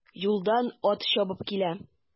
Юлдан ат чабып килә.